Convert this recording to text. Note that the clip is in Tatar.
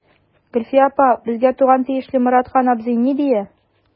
Гөлфия апа, безгә туган тиешле Моратхан абзый ни дия.